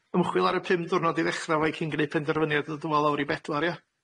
ymchwil ar y pum dwrnod i ddechra efo 'i cyn gneud penderfyniad i ddod â fo i lawr i bedwar, ia?